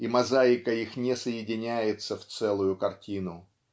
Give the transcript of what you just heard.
и мозаика их не соединяется в целую картину.